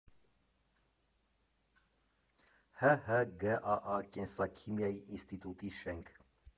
ՀՀ ԳԱԱ կենսաքիմիայի ինստիտուտի շենք։